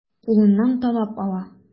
Кулыннан талап ала.